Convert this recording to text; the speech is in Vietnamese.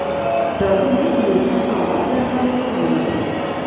rồi không biết người ta còn bóc lên bao nhiêu lần nữa